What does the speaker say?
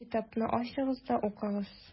Китапны ачыгыз да укыгыз: